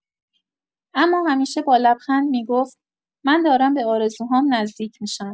اما همیشه با لبخند می‌گفت: «من دارم به آرزوهام نزدیک می‌شم.»